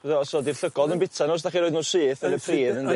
So, so di'r llygodd yn buta n'w os dach chi roid n'w syth yn y pridd yndi?